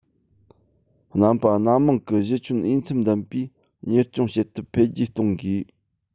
རྣམ པ སྣ མང གི གཞི ཁྱོན འོས འཚམ ལྡན པའི གཉེར སྐྱོང བྱེད ཐབས འཕེལ རྒྱས གཏོང དགོས